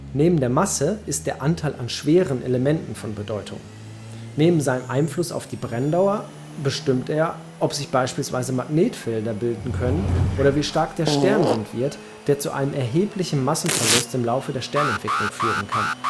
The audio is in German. Neben der Masse ist der Anteil an schweren Elementen von Bedeutung. Neben seinem Einfluss auf die Brenndauer bestimmt er, ob sich beispielsweise Magnetfelder bilden können oder wie stark der Sternwind wird, der zu einem erheblichen Massenverlust im Laufe der Sternentwicklung führen kann